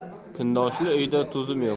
kundoshli uyda to'zim yo'q